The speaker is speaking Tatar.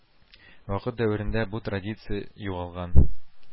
Вакыт дәверендә бу традиция югалган